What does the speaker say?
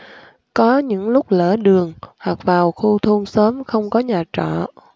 có những lúc lỡ đường hoặc vào khu thôn xóm không có nhà trọ